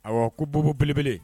Ayiwa ko bbo belebele